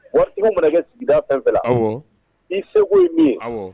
Waritigiba mana kɛ sigida fɛn o fɛn na, i se ko ye min ye